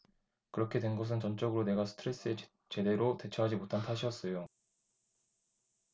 그렇게 된 것은 전적으로 내가 스트레스에 제대로 대처하지 못한 탓이었어요